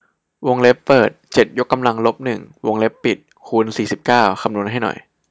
วงเล็บเปิดเจ็ดยกกำลังลบหนึ่งวงเล็บปิดคูณสี่สิบเก้าคำนวณให้หน่อย